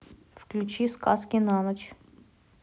включи сказки на ночь